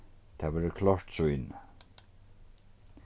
tað verður klárt sýni